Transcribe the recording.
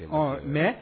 .Ɔɔ mais